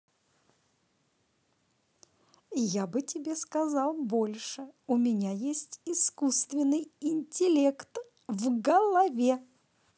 я бы тебе сказал больше у меня есть искусственный интеллект в голове